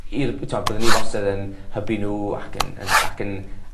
I'r b- t'od byddwn i wastad yn hybu n'w ac yn yn ac yn